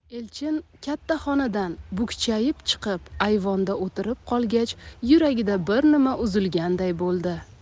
elchin katta xonadan bukchayib chiqib ayvonda o'tirib qolgach yuragida bir nima uzilganday bo'ldi